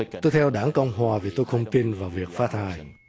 tôi theo đảng cộng hòa vì tôi không tin vào việc phá thai